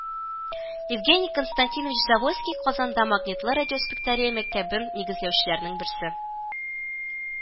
Евгений Константинович Завойский Казанда магнитлы радиоспектория мәктәбен нигезләүчеләрнең берсе